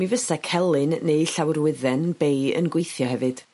mi fyse celyn neu llawerwydden bay yn gweithio hefyd.